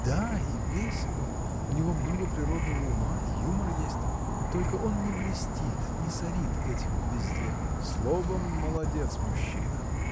— Да, и весело: у него много природного ума, и юмор есть — только он не блестит, не сорит этим везде. — Словом, молодец-мужчина!